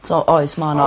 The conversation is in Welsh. So oes ma' 'na...